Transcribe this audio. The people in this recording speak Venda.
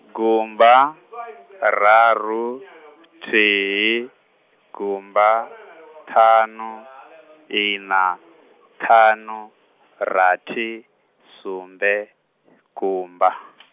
gumba, raru, thihi, gumba , ṱhanu, ina, ṱhanu, rathi, sumbe, gumba .